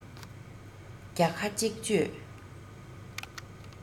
བརྒྱ ཁ གཅིག གཅོད